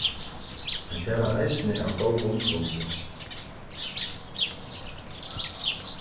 men tað var eisini av góðum grundum